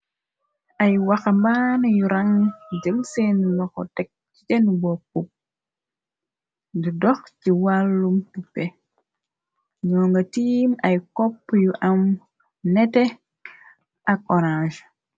Ay waxambaané yu rang jël seen loxo tek ci sen booppu di dox ci wàllum cupe ñoo nga tiim ay koppu yu am nete ak orance.